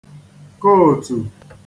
kootù